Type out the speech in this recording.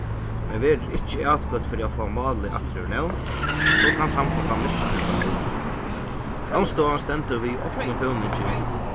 men verður ikki atkvøtt fyri at fáa málið aftur úr nevnd so kann samgongan missa hendan stuðul andstøðan stendur við opnum føvningi